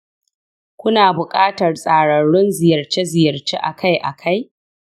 ku na buƙatar tsararrun ziyarce-ziyarce akai-akai